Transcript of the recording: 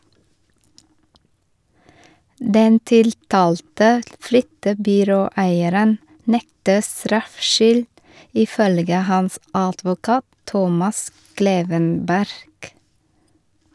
Den tiltalte flyttebyråeieren nekter straffskyld, ifølge hans advokat, Thomas Klevenberg.